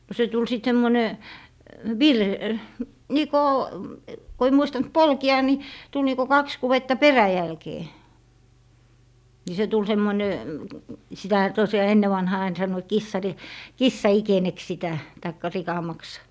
no se tuli sitten semmoinen - niin kuin kun ei muistanut polkea niin tuli niin kuin kaksi kudetta peräjälkeen niin se tuli semmoinen sitähän tosiaan ennen vanhaan aina sanoivat - kissanikeneksi sitä tai rikamaksi